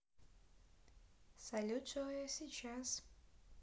салют джой а сейчас